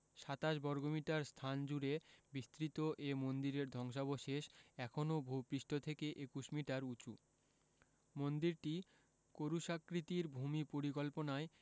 ২৭ বর্গমিটার স্থান জুড়ে বিস্তৃত এ মন্দিরের ধ্বংসাবশেষ এখনও ভূ পৃষ্ঠ থেকে ২১ মিটার উঁচু মন্দিরটি ক্রুশাকৃতির ভূমি পরিকল্পনায়